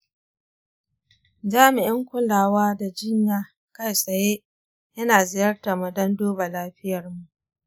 jami'in kulawa da jinya kai-tsaye ya na ziyartarmu don duba lafiyarmu.